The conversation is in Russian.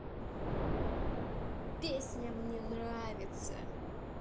песня мне нравится